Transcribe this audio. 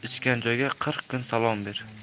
joyga qirq kun salom ber